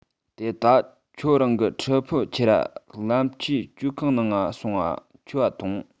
དེ ད ཁྱོས རང གི ཁྲེ ཕིའོ ཁྱེར ར ལམ ཆས བཅོའུ ཁང ནང ང སོང ང ཆོའུ འ ཐོངས